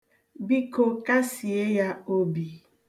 Biko, kasie ya obi.